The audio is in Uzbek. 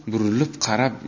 burilib qarab